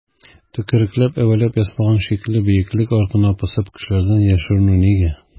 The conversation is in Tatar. Төкерекләп-әвәләп ясалган шикле бөеклек артына посып кешеләрдән яшеренү нигә?